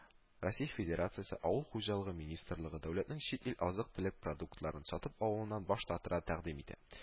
Россия Федирациясе Авыл хуҗалыгы министрлыгы дәүләтнең чит ил азык төлек продуктларын сатып алуыннан баш тартырга тәкдим итә